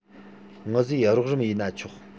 ངུ བཟོས རོགས རམ ཡས ན ཆོག